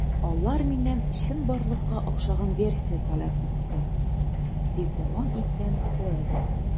Алар миннән чынбарлыкка охшаган версия таләп итте, - дип дәвам иткән Коэн.